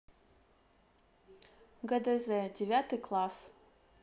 гдз девятый класс